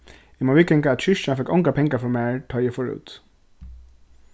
eg má viðganga at kirkjan fekk ongar pengar frá mær tá ið eg fór út